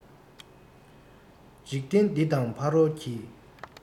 འཇིག རྟེན འདི དང ཕ རོལ གྱི